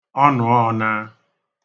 ọnụ̀ọọ̄nāā